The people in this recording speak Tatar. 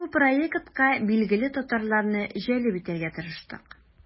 Без бу проектка билгеле татарларны җәлеп итәргә тырыштык.